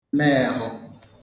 me èhụ